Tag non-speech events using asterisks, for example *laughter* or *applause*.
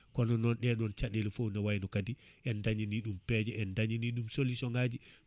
kono noon ɗenɗon caɗele foof ne wayno kadi en dañani ɗum peeje en dañani ɗum solution ngaji *breath*